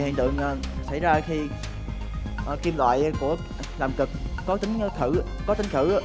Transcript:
hiện tượng ờ xảy ra khi ờ kim loại của làm cực có tính khử có tính khử